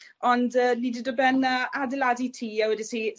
Ond yy ni 'di do' ben a adeladu tŷ, a wedes i